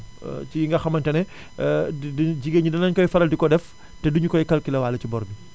ci yi nga xamante ne duñ jigéen ñi dinañ ko faral di ko def te duñu koy calculé waale ci bor bi